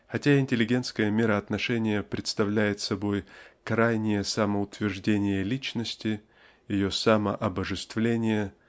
Хотя интеллигентское мироотношение представляет собой крайнее самоутверждение личности ее самообожествление